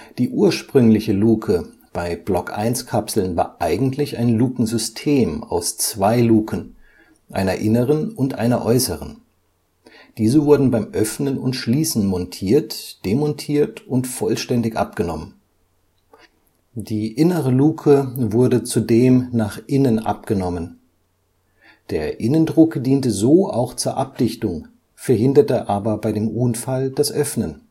Die ursprüngliche Luke bei Block-I-Kapseln war eigentlich ein Lukensystem aus zwei Luken, einer inneren und einer äußeren. Diese wurden beim Öffnen und Schließen montiert, demontiert und vollständig abgenommen. Die innere Luke wurde zudem nach innen abgenommen. Der Innendruck diente so auch zur Abdichtung, verhinderte aber bei dem Unfall das Öffnen